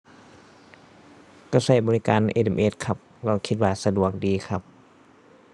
ก็ก็บริการ SMS ครับ เพราะคิดว่าสะดวกดีครับ